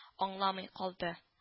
Аңламый калды